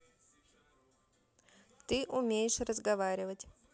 ты умеешь разговаривать